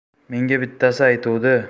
menga bittasi aytuvdi